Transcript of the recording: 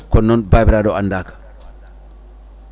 kono noon babiraɗo andaka